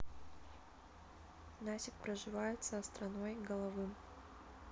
насик проживает со страной головым